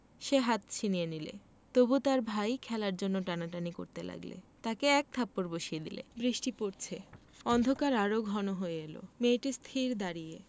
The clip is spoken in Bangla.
সে হাত ছিনিয়ে নিলে তবু তার ভাই খেলার জন্যে টানাটানি করতে লাগলে তাকে এক থাপ্পড় বসিয়ে দিলে *** বৃষ্টি পরছে অন্ধকার আরো ঘন হয়ে এল মেয়েটি স্থির দাঁড়িয়ে